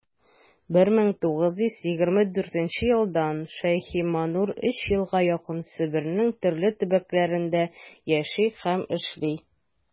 1924 елдан ш.маннур өч елга якын себернең төрле төбәкләрендә яши һәм эшли.